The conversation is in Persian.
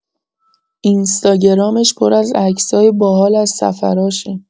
اینستاگرامش پر از عکسای باحال از سفراشه.